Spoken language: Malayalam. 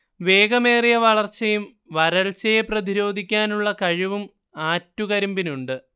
വേഗമേറിയ വളർച്ചയും വരൾച്ചയെ പ്രതിരോധിക്കാനുള്ള കഴിവും ആറ്റുകരിമ്പിനുണ്ട്